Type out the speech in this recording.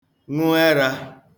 ṅụ ẹrā